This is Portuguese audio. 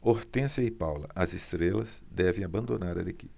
hortência e paula as estrelas devem abandonar a equipe